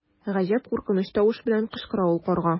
Гаҗәп куркыныч тавыш белән кычкыра ул карга.